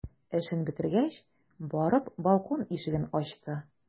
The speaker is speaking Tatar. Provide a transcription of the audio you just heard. Эшен бетергәч, барып балкон ишеген ачты.